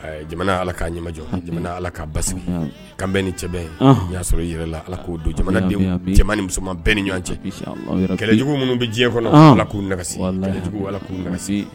Jamana ala ka ɲɛmajɔ jamana ala k ka basi kabɛn ni cɛ in n y'a sɔrɔ i yɛrɛ la ala k'o don jamanadenw jamana musoman bɛɛ ni ɲɔgɔn cɛ kɛlɛ jugu minnu bɛ diɲɛ kɔnɔ fula'ujugu ala k'u